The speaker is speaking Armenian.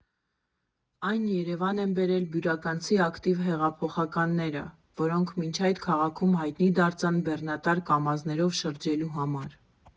Այն Երևան էին բերել բյուրականցի ակտիվ հեղափոխականները, որոնք մինչ այդ քաղաքում հայտնի դարձան բեռնատար կամազներով շրջելու համար։